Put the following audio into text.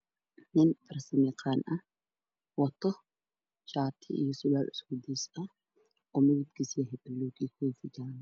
Nin farsamayaqaan ah wato shaati iyo surwaal is ku dees ah oo midabkiisu yahay buluug iyo koofi jaallo